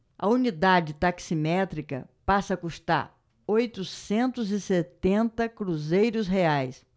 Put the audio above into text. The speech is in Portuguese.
a unidade taximétrica passa a custar oitocentos e setenta cruzeiros reais